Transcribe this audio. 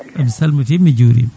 mi salmitima mi juurima